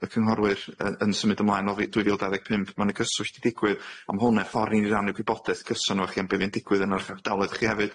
y cynghorwyr yn yn symud ymlaen o fi- dwy fil dau ddeg pump. Ma'n 'ne cyswllt 'di digwydd, a ma' hwnne'n ffor i ni rannu gwybodaeth gyson efo chi am be' fy'n digwydd yn 'ych ardaloedd chi hefyd.